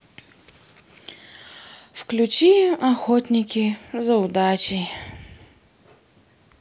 включи охотники за удачей